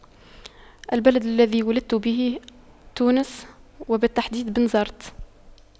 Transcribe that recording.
البلد الذي ولدت به تونس وبالتحديد بنزرت